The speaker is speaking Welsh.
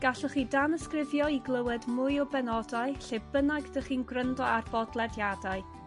Gallwch chi danysgrifio i glywed mwy o benodau lle bynnag dych chi'n gwryndo ar bodlediadau.